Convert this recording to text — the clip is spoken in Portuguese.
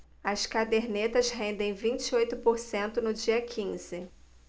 as cadernetas rendem vinte e oito por cento no dia quinze